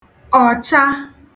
ọ̀cha